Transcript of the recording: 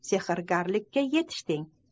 sehrgarlikda yetishding